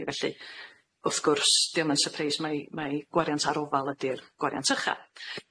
Felly wrth gwrs dio'm yn sypreis mai mai gwariant arofal ydi'r gwariant ucha.